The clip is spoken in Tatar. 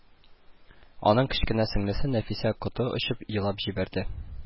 Аның кечкенә сеңлесе Нәфисә коты очып елап җибәрде